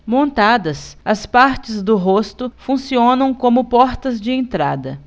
montadas as partes do rosto funcionam como portas de entrada